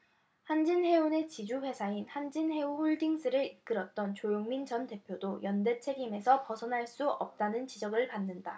한진해운의 지주회사인 한진해운홀딩스를 이끌었던 조용민 전 대표도 연대 책임에서 벗어날 수 없다는 지적을 받는다